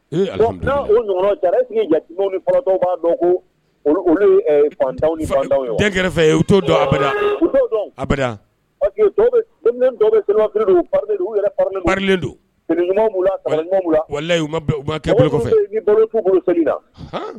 Kɛrɛfɛ don